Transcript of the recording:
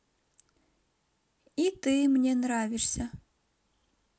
и ты мне нравишься